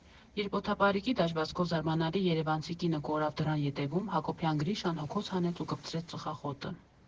Երբ օդապարիկի դաջվածքով զարմանալի երևանցի կինը կորավ դռան ետևում, Հակոբյան Գրիշան հոգոց հանեց ու կպցրեց ծխախոտը։